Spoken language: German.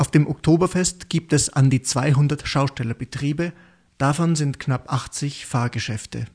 dem Oktoberfest gibt es an die 200 Schaustellerbetriebe, davon sind knapp 80 Fahrgeschäfte